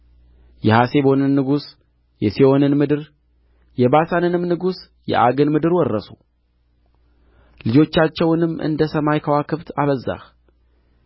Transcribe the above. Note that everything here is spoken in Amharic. የሐሴቦንን ንጉሥ የሴዎንን ምድር የባሳንንም ንጉሥ የዐግን ምድር ወረሱ ልጆቻቸውንም እንደ ሰማይ ከዋክብት አበዛህ